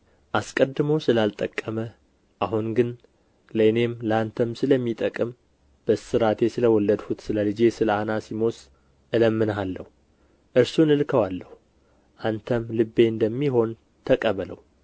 አስቀድሞ ስላልጠቀመህ አሁን ግን ለእኔም ለአንተም ስለሚጠቅም በእስራቴ ስለ ወለድሁት ስለ ልጄ ስለ አናሲሞስ እለምንሃለሁ እርሱን እልከዋለሁ አንተም ልቤ እንደሚሆን ተቀበለው